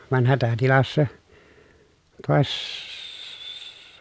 vaan hätätilassa -